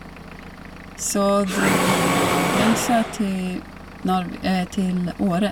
Så dro vi videre over grensa til nårvi til Åre.